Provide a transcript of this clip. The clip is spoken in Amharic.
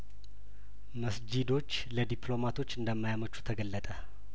መስጂዶች ለዲፕሎማቶች እንደማ ያመቹ ተገለጠ